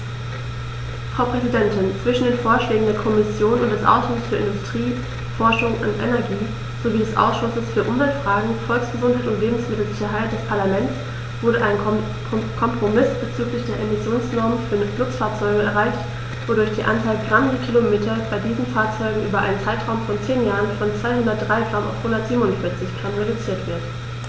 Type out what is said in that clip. Frau Präsidentin, zwischen den Vorschlägen der Kommission und des Ausschusses für Industrie, Forschung und Energie sowie des Ausschusses für Umweltfragen, Volksgesundheit und Lebensmittelsicherheit des Parlaments wurde ein Kompromiss bezüglich der Emissionsnormen für Nutzfahrzeuge erreicht, wodurch die Anzahl Gramm je Kilometer bei diesen Fahrzeugen über einen Zeitraum von zehn Jahren von 203 g auf 147 g reduziert wird.